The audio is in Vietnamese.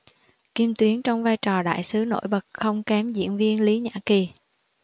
kim tuyến trong vai trò đại sứ nổi bật không kém diễn viên lý nhã kỳ